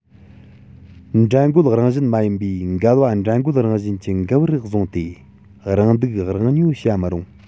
འགྲན རྒོལ རང བཞིན མ ཡིན པའི འགལ བ འགྲན རྒོལ རང བཞིན གྱི འགལ བར བཟུང སྟེ རང སྡུག རང ཉོ བྱ མི རུང